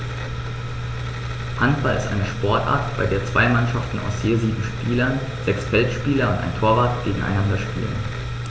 Handball ist eine Sportart, bei der zwei Mannschaften aus je sieben Spielern (sechs Feldspieler und ein Torwart) gegeneinander spielen.